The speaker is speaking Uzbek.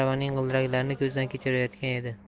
aravaning g'ildiraklarini ko'zdan kechirayotgan edi